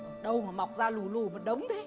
đâu mà mọc ra lù lù một đống thế